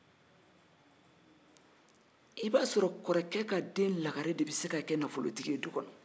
kɔrɔkɛ ka lagare de bɛ se ka kɛ fɛntigi ye so kɔnɔ